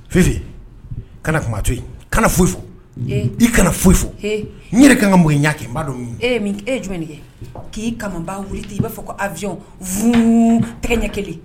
Fifi kana kuma a to yen, kana foyi fo; He; i kana foyi fo; He;n yɛrɛ ka kan ka mun kɛ,n y'a kɛ,n b'a dɔn min don; E ye min , e ye jumɛn de kɛ? K'i kaman ba wili ten, i b'a fɔ ko avion wuu tɛgɛ ɲɛ kelen.